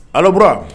Alara